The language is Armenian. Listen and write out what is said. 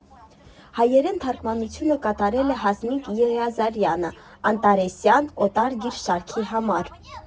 Հայերեն թարգմանությունը կատարել է Հասմիկ Եղիազարյանը՝ անտարեսյան «Օտար գիր» շարքի համար։